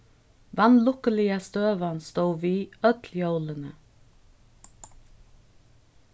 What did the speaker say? vanlukkuliga støðan stóð við øll jólini